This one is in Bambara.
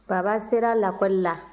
baba sera lakɔli la